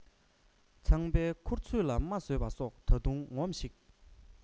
ཚངས པའི མཁུར ཚོས ལ རྨ བཟོས པ སོགས ད དུང ངོམས ཤིག